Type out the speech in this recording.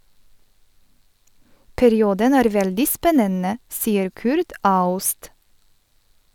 Perioden er veldig spennende, sier Kurt Aust.